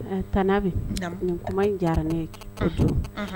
Tan n'a kuma in diyara n ne kɛ